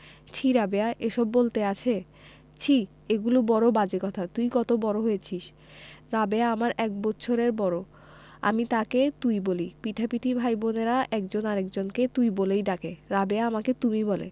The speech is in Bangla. ছিঃ রাবেয়া এসব বলতে আছে ছিঃ এগুলি বড় বাজে কথা তুই কত বড় হয়েছিস রাবেয়া আমার এক বৎসরের বড় আমি তাকে তুই বলি পিঠাপিঠি ভাই বোনের একজন আরেক জনকে তুই বলেই ডাকে রাবেয়া আমাকে তুমি বলে